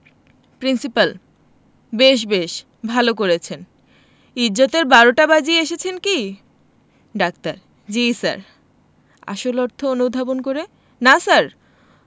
principal বেশ বেশ ভালো করেছেন ইজ্জতের বারোটা বাজিয়ে এসেছেন কি ডাক্তার জ্বী স্যার আসল অর্থ অনুধাবন করে না স্যার